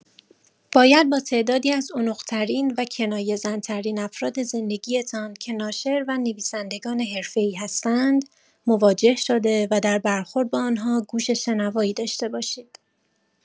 باید با تعدادی از عنق‌ترین و کنایه‌زن‌ترین افراد زندگی‌تان که ناشر و نویسندگان حرفه‌ای هستند، مواجه شده و در برخورد با آن‌ها گوش شنوایی داشته باشید.